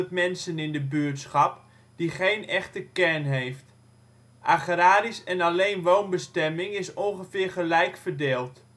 mensen in de buurtschap, die geen echte kern heeft. Agrarisch en alleen woonbestemming is ongeveer gelijk verdeeld